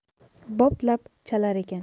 boplab chalar ekan